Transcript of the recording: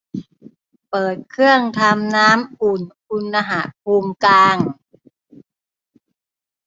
เปิดเครื่องทำน้ำอุ่นอุณหภูมิกลาง